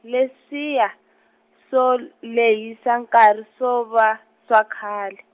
leswiya, swo lehisa nkarhi swo va, swa khale.